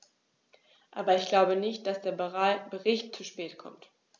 Aber ich glaube nicht, dass der Bericht zu spät kommt.